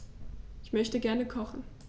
Ich möchte gerne kochen.